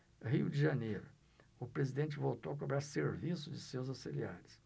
rio de janeiro o presidente voltou a cobrar serviço de seus auxiliares